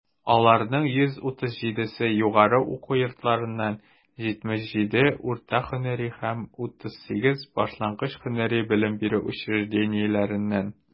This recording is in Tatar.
Аларның 137 се - югары уку йортларыннан, 77 - урта һөнәри һәм 38 башлангыч һөнәри белем бирү учреждениеләреннән.